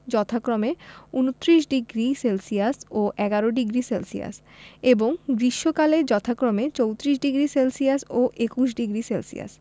যথাক্রমে ২৯ degree Celsius ও ১১ডিগ্রি সেলসিয়াস এবং গ্রীষ্মকালে যথাক্রমে ৩৪ডিগ্রি সেলসিয়াস ও ২১ডিগ্রি সেলসিয়াস